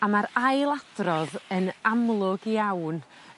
A ma'r ailadrodd yn amlwg iawn